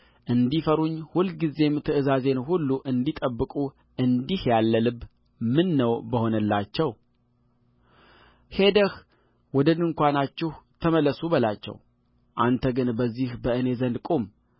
እንዲፈሩኝ ሁልጊዜም ትእዛዜን ሁሉ እንዲጠብቁ እንዲህ ያለ ልብ ምነው በሆነላቸው ሄደህ ወደ ድንኳናችሁ ተመለሱ በላቸውአንተ ግን በዚህ በእኔ ዘንድ ቁም